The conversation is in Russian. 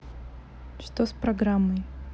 что с программой